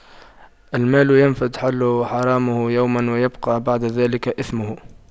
المال ينفد حله وحرامه يوماً ويبقى بعد ذلك إثمه